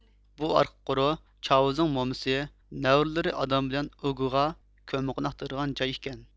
بۇ ئارقا قورۇ چاۋىزنىڭ مومىسى نەۋرىلىرى ئادام بىلەن ئۇگوغا كۆممىقوناق تېرىغان جاي ئىكەن